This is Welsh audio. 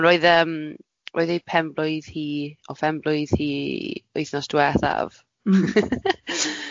Roedd yym roedd ei penblwydd hi odd penblwydd hi wythnos dwethaf, mm..